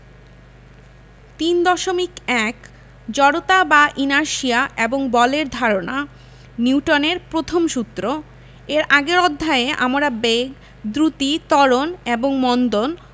৩.১ জড়তা বা ইনারশিয়া এবং বলের ধারণা নিউটনের প্রথম সূত্র এর আগের অধ্যায়ে আমরা বেগ দ্রুতি ত্বরণ এবং মন্দন